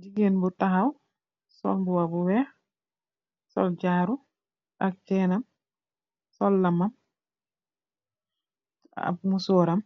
Jigeen bu taxaw sol mbuba bu weex sol jaaru ak chainam sol lamam ak musuram